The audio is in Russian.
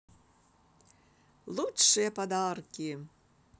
лучшие подарки